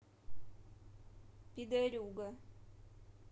пидорюга